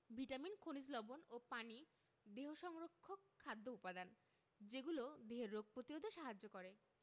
vitamin খনিজ লবন ও পানি দেহ সংরক্ষক খাদ্য উপাদান যেগুলো দেহের রোগ প্রতিরোধে সাহায্য করে